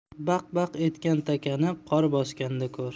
baq baq etgan takani qor bosganda ko'r